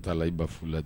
A taa la i bafu la